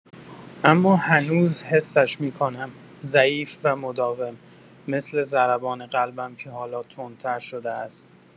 اما هنوز حسش می‌کنم، ضعیف و مداوم، مثل ضربان قلبم که حالا تندتر شده است.